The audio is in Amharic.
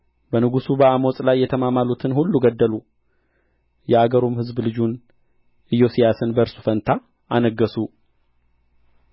በንጉሡ በአሞጽ ላይ የተማማሉትን ሁሉ ገደሉ የአገሩም ሕዝብ ልጁን ኢዮስያስን በእርሱ ፋንታ አነገሡ